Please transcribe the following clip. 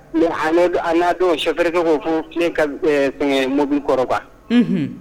An na don chauffeur kɛ ko pneu ka fɛngɛ mɔbili kɔrɔ quoi